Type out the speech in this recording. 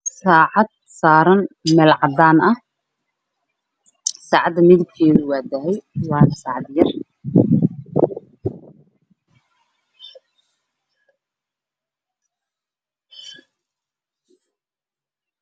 Saacad saaran meel cadaan ah dahabi ah